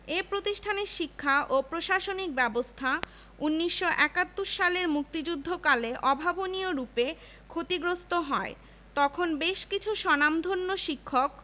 ঢাকা বিশ্ববিদ্যালয় কোনো স্বাভাবিক প্রক্রিয়ায় প্রতিষ্ঠিত হয়নি রাজনৈতিক সামাজিক ও অর্থনৈতিকভাবে একটি সমন্বিত প্রচেষ্টার মাধ্যমে ভারত সরকারের ওপর চাপ প্রয়োগ করা হলে